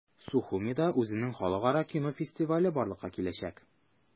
Сухумида үзенең халыкара кино фестивале барлыкка киләчәк.